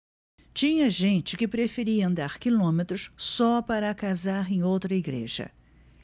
tinha gente que preferia andar quilômetros só para casar em outra igreja